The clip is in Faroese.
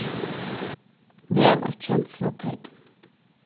vel eitt kenslutekn